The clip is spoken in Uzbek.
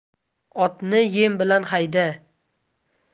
otni yem bilan hayda